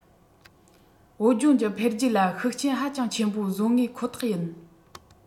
བོད ལྗོངས ཀྱི འཕེལ རྒྱས ལ ཤུགས རྐྱེན ཧ ཅང ཆེན པོ བཟོ ངེས ཁོ ཐག ཡིན